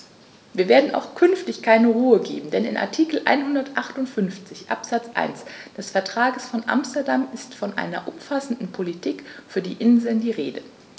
Wir werden auch künftig keine Ruhe geben, denn in Artikel 158 Absatz 1 des Vertrages von Amsterdam ist von einer umfassenden Politik für die Inseln die Rede.